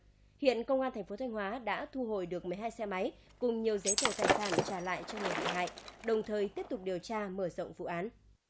hiện công an thành phố thanh hóa đã thu hồi được mười hai xe máy cùng nhiều giấy tờ tài sản trả lại cho người bị hại đồng thời tiếp tục điều tra mở rộng vụ án